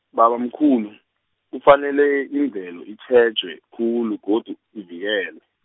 babamkhulu, kufanele imvelo itjhejwe khulu godu ivikelwe.